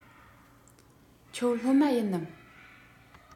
ཁྱོད སློབ མ ཡིན ནམ